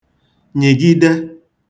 nyị̀gide